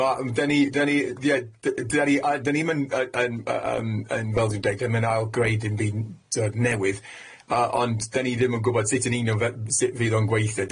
Ma' yym 'dyn ni 'dyn ni ie d- dyn ni yy dyn ni'm yn yy yn yym yn fel dwi'n deud dim yn ail greu dim byd t'od newydd yy ond 'dyn ni ddim yn gwbod sut yn union fe- sut fydd o'n gweithio.